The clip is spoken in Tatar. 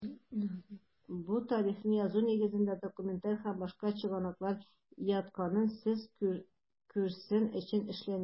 Бу тарихны язу нигезенә документаль һәм башка чыгынаклыр ятканын сез күрсен өчен эшләнгән.